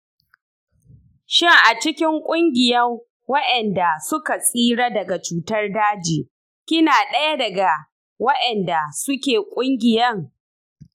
shin a cikin kungiyan waenda suka tsira daga cutar daji kina daya daga waenda suke kungiyan?